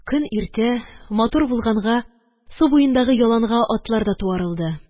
Көн иртә, матур булганга, су буендагы яланга атлар да туарылды.